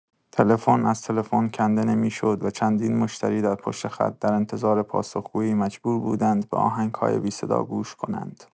تلفن از تلفن کنده نمی‌شد و چندین مشتری در پشت خط، در انتظار پاسخگویی مجبور بودند به آهنگ‌های بی‌صدا گوش کنند.